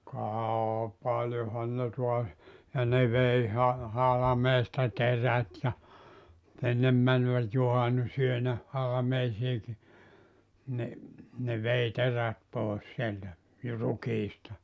ka paljonhan ne taas ja ne vei - halmeesta terät ja ennen menivät juhannusyönä halmeisiinkin niin ne vei terät pois sieltä - rukiista